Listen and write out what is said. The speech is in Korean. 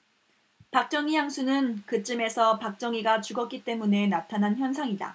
박정희 향수는 그쯤에서 박정희가 죽었기 때문에 나타난 현상이다